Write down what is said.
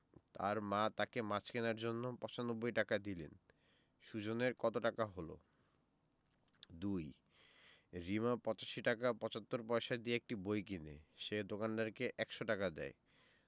তার মা তাকে মাছ কেনার জন্য ৯৫ টাকা দিলেন সুজনের কত টাকা হলো ২ রিমা ৮৫ টাকা ৭৫ পয়সা দিয়ে একটি বই কিনে সে দোকানদারকে ১০০ টাকা দেয়